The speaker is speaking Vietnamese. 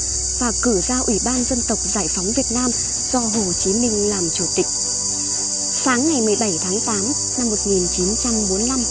và cử ra ủy ban dân tộc giải phóng việt nam do hồ chí minh làm chủ tịch sáng ngày tháng năm